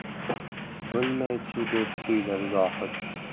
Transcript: bo'lmay chi deb o'yladi zohid